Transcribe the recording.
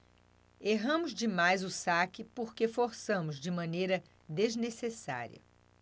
erramos demais o saque porque forçamos de maneira desnecessária